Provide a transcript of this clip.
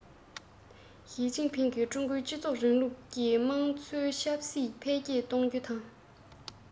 ཞིས ཅིན ཕིང གིས ཀྲུང གོར སྤྱི ཚོགས རིང ལུགས ཀྱི དམངས གཙོ ཆབ སྲིད འཕེལ རྒྱས གཏོང རྒྱུ དང